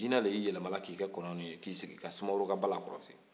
jinɛ de y'a yɛlɛma ka kɛ kɔnɔ nin ye k'a sigi ka sumaworo ka bala kɔlɔsi